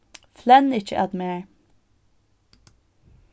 flenn ikki at mær